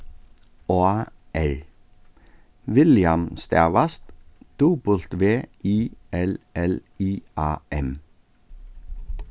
á r william stavast w i l l i a m